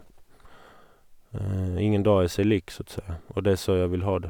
Ingen dag er seg lik, så å si, og det er så jeg vil ha det.